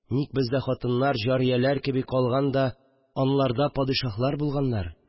Ник бездә хатыннар җарияләр кеби калган да, аларда падишаһлар булганнар